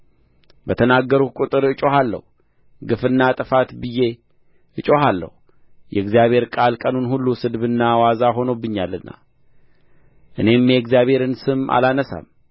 በተናገርሁ ቍጥር እጮኻለሁ ግፍና ጥፋት ብዬ እጮኻለሁ የእግዚአብሔር ቃል ቀኑን ሁሉ ስድብና ዋዛ ሆኖብኛልና እኔም የእግዚአብሔርን ስም አላነሣም